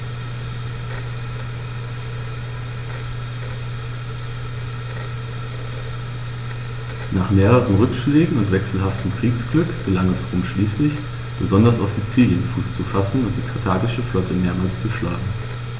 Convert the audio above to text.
Nach mehreren Rückschlägen und wechselhaftem Kriegsglück gelang es Rom schließlich, besonders auf Sizilien Fuß zu fassen und die karthagische Flotte mehrmals zu schlagen.